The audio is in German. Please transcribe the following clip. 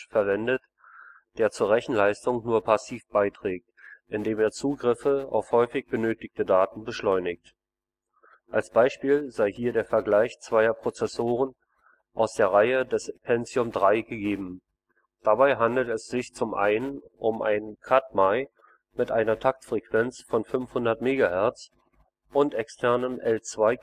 verwendet, der zur Rechenleistung nur passiv beiträgt, indem er Zugriffe auf häufig benötigte Daten beschleunigt. Als Beispiel sei hier der Vergleich zweier Prozessoren aus der Reihe des Pentium III gegeben. Dabei handelt es sich zum einen um ein „ Katmai “mit einer Taktfrequenz von 500 MHz und externem L2-Cache